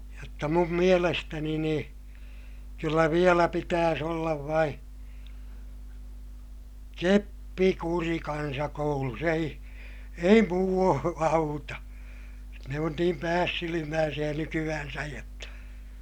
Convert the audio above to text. jotta minun mielestäni niin kyllä vielä pitäisi olla vain keppikuri kansakoulussa ei ei muu auta ne on niin päässilmäisiä nykyään jotta